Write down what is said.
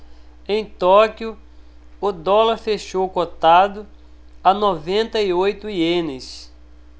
em tóquio o dólar fechou cotado a noventa e oito ienes